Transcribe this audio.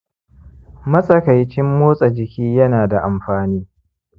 matsakaicin motsa jiki ya na da amfani